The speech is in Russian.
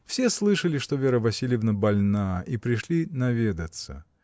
Все слышали, что Вера Васильевна больна, и пришли наведаться.